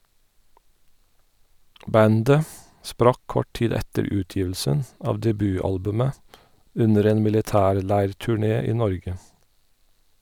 Bandet sprakk kort tid etter utgivelsen av debutalbumet , under en militærleirturné i Norge.